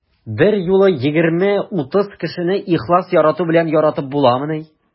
Берьюлы 20-30 кешене ихлас ярату белән яратып буламыни?